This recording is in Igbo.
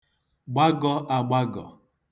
gbagọ̄ āgbāgọ̀